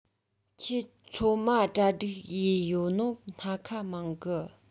ཡ ཁྱོས ཚོད མ གྲ སྒྲིག ཡས ཡོད ནོ སྣ ཁ མང གི